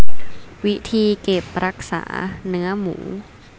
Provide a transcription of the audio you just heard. วิธีเก็บรักษาเนื้อหมู